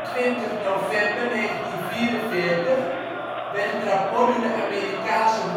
25 november 1944 werd het rapport door de Amerikaanse